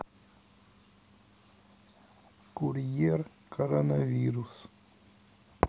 курьер коронавирус